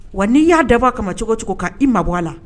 Wa n'i y'a dabɔ a kama cogo cogo ka i mabɔ a la